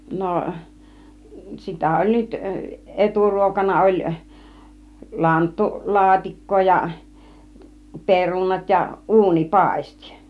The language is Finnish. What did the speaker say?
no sitä oli nyt eturuokana oli - lanttulaatikkoa ja perunat ja - uunipaisti